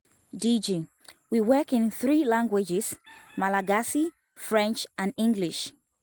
DG: We work in three languages: Malagasy, French, and English.